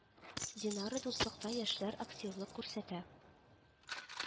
Динара дуслыкта яшьләр активлык күрсәтә